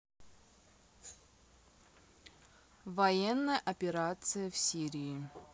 военная операция в сирии